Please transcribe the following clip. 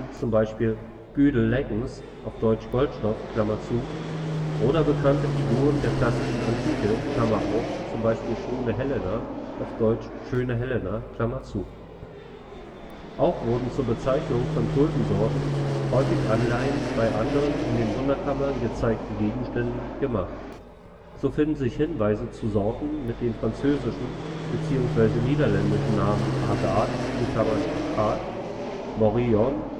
z. B. ' Goude Laeckens '‚ Goldstoff ‘) oder bekannte Figuren der klassischen Antike (z. B. ' Schoone Helena '‚ Schöne Helena ‘). Auch wurden zur Bezeichnung von Tulpensorten häufig Anleihen bei anderen in den Wunderkammern gezeigten Gegenständen gemacht. So finden sich Hinweise zu Sorten mit den französischen bzw. niederländischen Namen ' Agaat ' (Achat), ' Morillon